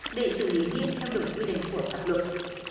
để xử lý nghiêm theo đúng quy định của pháp luật